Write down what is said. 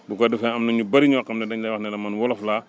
bu ko defee am na ñu bëri ñoo xam ne dañ lay wax ne la man wolof laa